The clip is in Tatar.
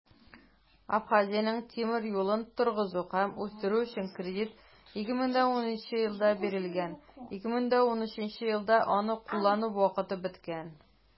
Абхазиянең тимер юлын торгызу һәм үстерү өчен кредит 2012 елда бирелгән, 2013 елда аны куллану вакыты беткән.